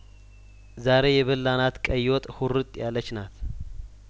ዛሬ የበላናት ቀይወጥ ሁርጥ ያለችናት